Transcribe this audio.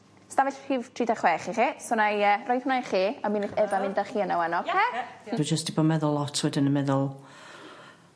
stafell rhif trida chwech i chi so 'nai yy rhoid wnna i chi a mynd efo mynd â chi yno 'wan oce? Dwi jyst 'di bo' meddwl lot wedyn yn meddwl